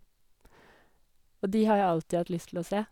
Og de har jeg alltid hatt lyst til å se.